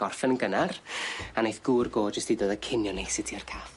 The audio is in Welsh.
Gorffen yn gynnar a neith gŵr gojys ti ddod a cinio neis i ti i'r caff.